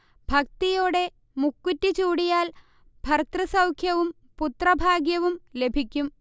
ഭക്തിയോടെ മുക്കുറ്റി ചൂടിയാൽ ഭർതൃസൗഖ്യവും പുത്രഭാഗ്യവും ലഭിക്കും